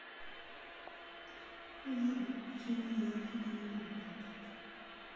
ну ладно извини я афина не буду болтать